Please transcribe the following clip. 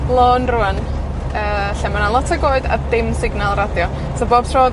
lon rŵan, yy, lle ma' 'na lot o goed a dim signal radio. So bob tro